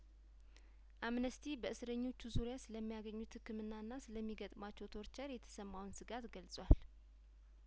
አምነስቲ በእስረኞቹ ዙሪያ ስለሚያገኙት ህክምናና ስለሚ ገጥማቸው ቶርቸር የተሰማውን ስጋት ገልጿል